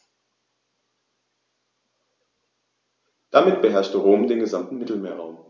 Damit beherrschte Rom den gesamten Mittelmeerraum.